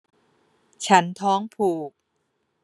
ฉันท้องผูก